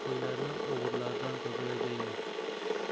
to'qaylarni o'g'rilardan tozalagaymiz